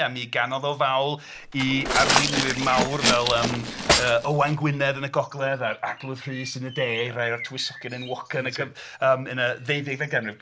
A mi ganodd o fawl i arweinwyr mawr fel yym yy Owain Gwynedd yn y gogledd a'r Arglwydd Rhys yn y de, i rai o tywysogion enwocaf yn y cyf- yn y ddeuddegfed ganrif.